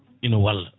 ina walla